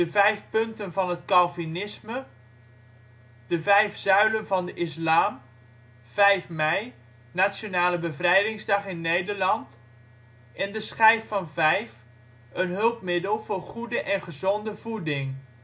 vijf punten van het Calvinisme De Vijf zuilen van de islam Vijf Mei Nationale Bevrijdingsdag in Nederland De Schijf van vijf, een hulpmiddel over goede en gezonde voeding